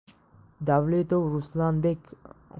davletov ruslanbek